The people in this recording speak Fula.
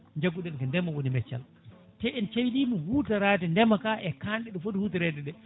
jagguɗen ko ndeema woni meccal te en calima hutorade ndeemaka e kanɗe ɗe footi hutorede ɗe